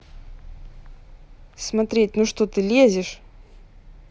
смотреть ну что ты лезешь